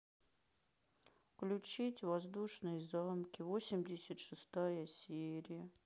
включить воздушные замки восемьдесят шестая серия